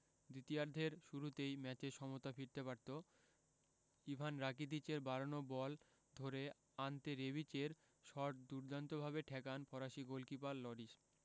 দ্বিতীয়ার্ধের শুরুতেই ম্যাচে সমতা ফিরতে পারত ইভান রাকিতিচের বাড়ানো বল ধরে আন্তে রেবিচের শট দুর্দান্তভাবে ঠেকান ফরাসি গোলকিপার লরিস